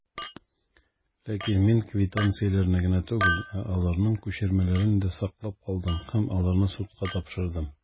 Ләкин мин квитанцияләрне генә түгел, ә аларның күчермәләрен дә саклап калдым, һәм аларны судка тапшырдым.